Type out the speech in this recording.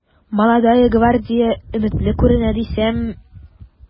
“молодая гвардия” өметле күренә дисәм...